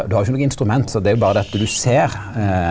du har jo ikkje noko instrument så det er jo berre det at du ser .